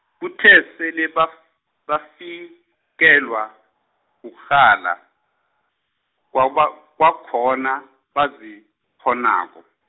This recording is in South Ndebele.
kuthe sele ba- bafikelwa kurhala, kwaba- kwakhona, -bazikghonako.